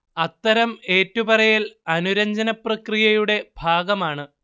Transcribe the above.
അത്തരം ഏറ്റുപറയൽ അനുരഞ്ജനപ്രക്രിയയുടെ ഭാഗമാണ്